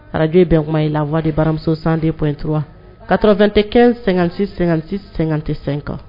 Arajo bɛn kuma i la waati waridi baramuso san detura karɔ2 tɛ kɛ sɛgɛn-sɛsi- sɛgɛnga tɛ sen kan